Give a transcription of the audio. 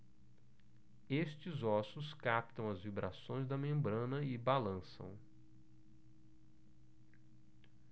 estes ossos captam as vibrações da membrana e balançam